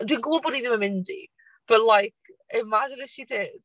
Dwi'n gwybod bod hi ddim yn mynd i. But like, imagine if she did.